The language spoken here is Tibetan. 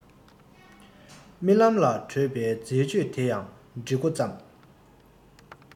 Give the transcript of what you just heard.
རྨི ལམ ལ བྲོད པའི མཛེས དཔྱོད དེ ཡང བྲི འགོ བརྩམས